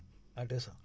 à deux cent